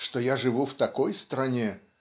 Что я живу в такой стране